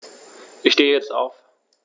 Ich stehe jetzt auf.